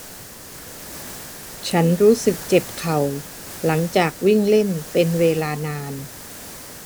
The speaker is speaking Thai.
ฉันรู้สึกเจ็บเข่าหลังจากวิ่งเล่นเป็นเวลานาน